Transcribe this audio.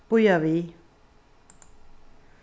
bíða við